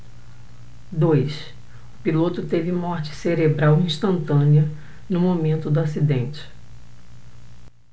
dois o piloto teve morte cerebral instantânea no momento do acidente